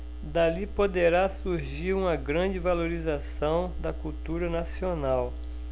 dali poderá surgir uma grande valorização da cultura nacional